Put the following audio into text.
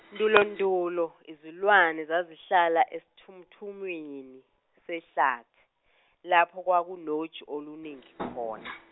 endulondulo izilwane zazihlala esithumuthunywini, sehlathi lapho kwakunoju oluningi khona.